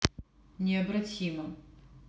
необратимо